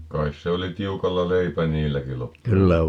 kai se oli tiukalla leipä niilläkin loppujen lopuksi